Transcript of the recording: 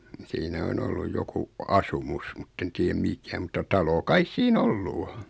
siinä on ollut joku asumus mutta en tiedä mikä mutta talo kai siinä ollut on